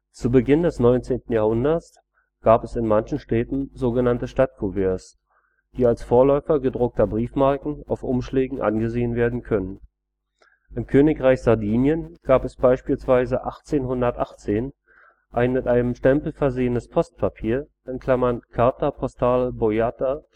Zu Beginn des 19. Jahrhunderts gab es in manchen Städten so genannte Stadtkuverts, die als Vorläufer gedruckter Briefmarken auf Umschlägen angesehen werden können. Im Königreich Sardinien gab es beispielsweise 1818 ein mit einem Stempel versehenes Postpapier (Carta postale bollata